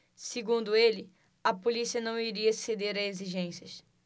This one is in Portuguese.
segundo ele a polícia não iria ceder a exigências